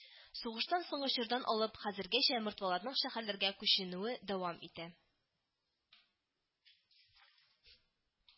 Сугыштан соңгы чордан алып, хәзергәчә мордваларның шәһәрләргә күченүе дәвам итә